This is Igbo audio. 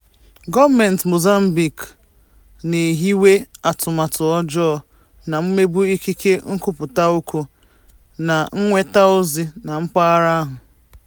Gọọmentị Mozambique na-ehiwe atụmatụ ọjọọ na mmegbu ikike nkwupụta okwu na nnweta ozi na mpaghara ahụ.